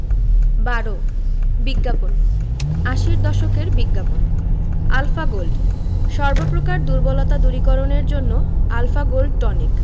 ১২ বিজ্ঞাপন আশির দশকের বিজ্ঞাপন আলফা গোল্ড সর্ব প্রকার দুর্বলতা দূরীকরণের জন্য আল্ ফা গোল্ড টনিক